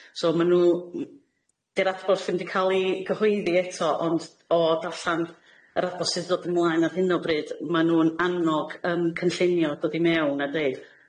So ma' nw m-... Di'r adborth ddim 'di ca'l 'i gyhoeddi eto, ond o ddarllan yr adboth sydd 'di dod ymlaen ar hyn o bryd, ma' nw'n annog yym cynllunio dod i mewn a deud